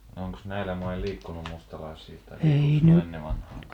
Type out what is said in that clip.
no onkos näillä mailla liikkunut mustalaisia tai että onkos niillä ennen vanhaan ollut